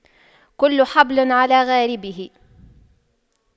كل حبل على غاربه